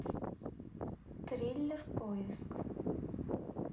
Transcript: триллер поиск